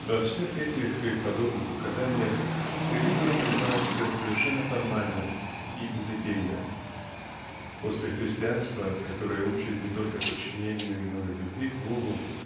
Во всех этих и подобных указаниях религия понимается совершенно формально и безыдейно. После христианства которое учит не только подчинению но и любви к Богу